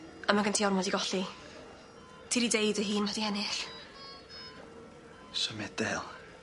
A ma' gen ti ormod i golli. Ti 'di deud dy hun ma' 'di ennill. Symud Dale.